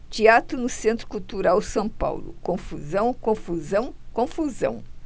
teatro no centro cultural são paulo confusão confusão confusão